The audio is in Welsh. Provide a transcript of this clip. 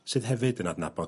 sydd hefyd yn adnabod...